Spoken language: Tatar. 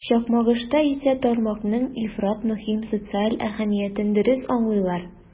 Чакмагышта исә тармакның ифрат мөһим социаль әһәмиятен дөрес аңлыйлар.